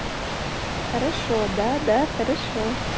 хорошо да да хорошо